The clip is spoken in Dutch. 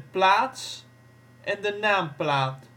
Plaats " en de " naamplaat